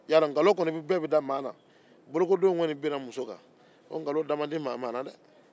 i b'a dɔn nkalon kɔni bɛɛ bɛ da mɔgɔ la bolokodenw binna n muso kan o nkalon da ma di mɔgɔ la dɛ